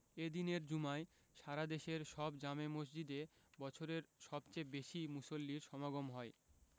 এ দিনের জুমায় সারা দেশের সব জামে মসজিদে বছরের সবচেয়ে বেশি মুসল্লির সমাগম হয়